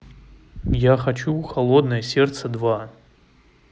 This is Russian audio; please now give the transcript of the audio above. я хочу холодное сердце два